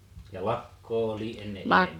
ja lakkaa oli ennen enemmän